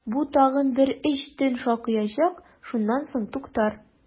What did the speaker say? Бу тагын бер өч төн шакыячак, шуннан соң туктар!